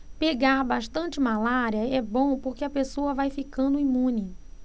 pegar bastante malária é bom porque a pessoa vai ficando imune